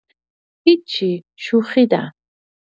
هیچی شوخیدم